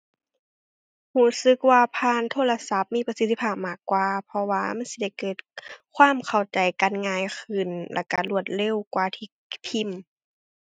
รู้สึกว่าผ่านโทรศัพท์มีประสิทธิภาพมากกว่า เพราะว่ามันสิได้เกิดความเข้าใจกันง่ายขึ้น แล้วรู้รวดเร็วกว่าที่ พิมพ์